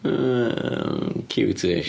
Oo ciwt-ish.